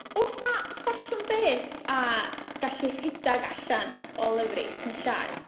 Oes 'na ffasiwn beth â gallu rhedeg allan o lefrith neu llaeth?